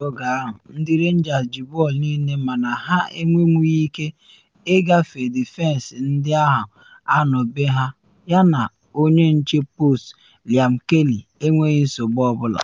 N’oge ahụ, ndị Rangers ji bọọlụ niile mana ha enwenwughi ike ịgafe defensị ndị ahụ anọ be ha yana onye nche post Liam Kelly enweghị nsogbu ọ bụla,